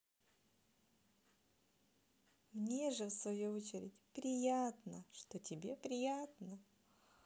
мне же в свою очередь приятно что тебе приятно